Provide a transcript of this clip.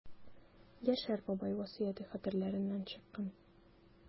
Яшәр бабай васыяте хәтерләреннән чыккан.